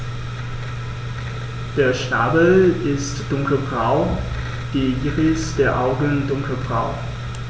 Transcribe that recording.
Der Schnabel ist dunkelgrau, die Iris der Augen dunkelbraun.